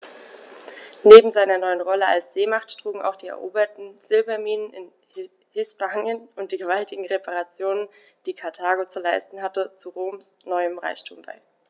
Neben seiner neuen Rolle als Seemacht trugen auch die eroberten Silberminen in Hispanien und die gewaltigen Reparationen, die Karthago zu leisten hatte, zu Roms neuem Reichtum bei.